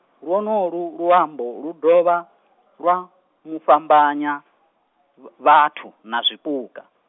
lwonolwu luambo lu dovha, lwa, mufhambanyi , vhathuna zwipuka.